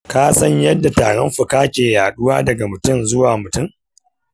ka san yadda tarin fuka ke yaɗuwa daga mutum zuwa mutum?